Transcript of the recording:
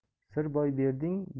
sir boy berding